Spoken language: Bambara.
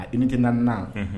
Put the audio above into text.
a unité 4 nan, unhu.